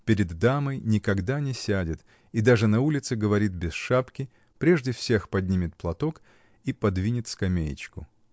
Перед дамой никогда не сядет, и даже на улице говорит без шапки, прежде всех поднимет платок и подвинет скамеечку.